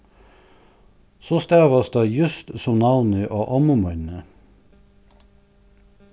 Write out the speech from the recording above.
so stavast tað júst sum navnið á ommu míni